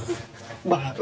bà ơi